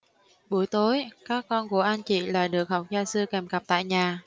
buổi tối các con của anh chị lại được học gia sư kèm cặp tại nhà